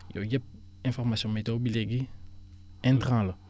yooyu yépp information météo bi léegi intrant la